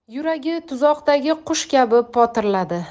yuragi tuzoqdagi qush kabi potirladi